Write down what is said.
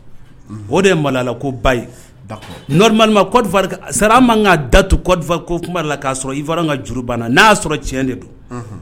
O de ye mala ko ba ba man'a da'a sɔrɔ i ka juru banna n'a'a sɔrɔ tiɲɛ de don